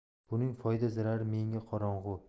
buning foyda zarari menga qorong'i